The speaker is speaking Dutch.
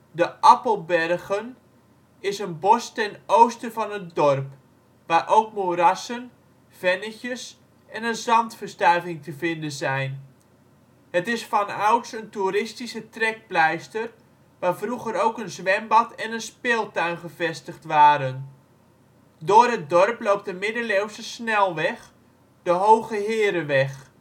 De Appelbergen is een bos ten oosten van het dorp, waar ook moerassen, vennetjes en een zandverstuiving te vinden zijn. Het is vanouds een toeristische trekpleister, waar vroeger ook een zwembad en een speeltuin gevestigd waren. Door het bos loopt een middeleeuwse ' snelweg ', de Hoge Hereweg